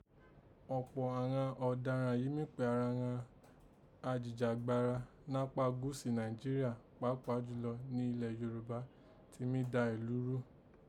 Ọ̀pọ́ àghan ọ̀dáàràn yìí mí pé ara ghan ajìjàgbara napá Gúúsù Nàìjíríà pàápàá jù lọ nilẹ̀ Yorùbá ti mí dà ìlú rú